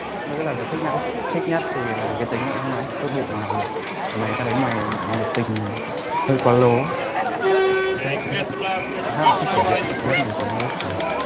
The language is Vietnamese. thôi cứ giả vờ thích nhất đi thích nhất thì là cái tính là lúc nãy tốt bụng và hào hiệp mày ta thấy mày nhiệt tình hơi quá lố ghét nhất có khác là thích thể hiện tao ghét mày tính mày thích thể hiện